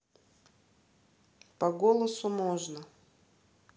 по голосу можно